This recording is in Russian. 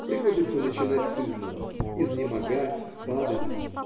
Приходится начинать сызнова, изнемогать, падать